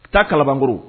Ta kalanbanbmuru